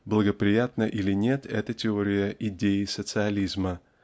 благоприятна или нет эта теория идее социализма